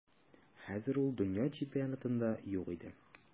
Хәзер ул дөнья чемпионатында юк иде.